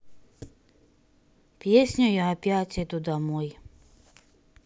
песню я опять иду домой